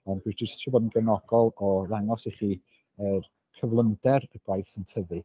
Ond dwi jyst isio bod yn gefnogol o ddangos i chi yr cyflymder y gwaith sy'n tyfu.